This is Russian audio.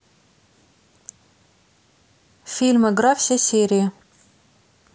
фильм игра все серии